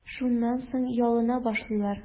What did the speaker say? Шуннан соң ялына башлыйлар.